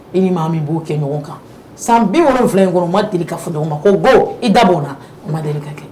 I ni maa min b'o kɛ ɲɔgɔn kan san bi wolon filɛ in kɔnɔ ma deli ka fɔ ma ko baw i dabɔ na ma deli ka kɛ